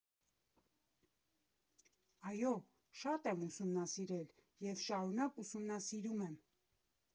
Այո՛, շատ եմ ուսումնասիրել և շարունակ ուսումնասիրում եմ։